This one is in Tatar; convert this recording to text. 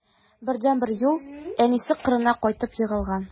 Бердәнбер юл: әнисе кырына кайтып егылган.